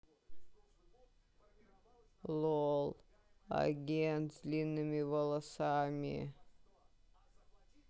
лол агент с длинными волосами